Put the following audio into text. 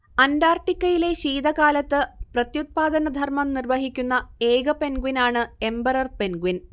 അന്റാർട്ടിക്കയിലെ ശീതകാലത്ത് പ്രത്യുത്പാദനധർമ്മം നിർവഹിക്കുന്ന ഏക പെൻഗ്വിനാണ് എമ്പറർ പെൻഗ്വിൻ